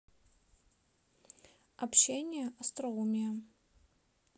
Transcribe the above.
общение остроумие